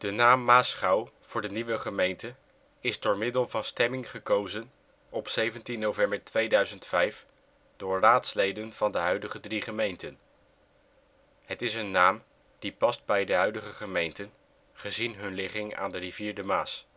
naam Maasgouw voor de nieuwe gemeente is door middel van stemming gekozen op 17 november 2005 door raadsleden van de huidige drie gemeenten. Het is een naam die past bij de huidige gemeenten, gezien hun ligging aan rivier de Maas